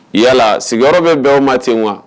Yaa yala sigiyɔrɔ bɛ bɛn ma ten wa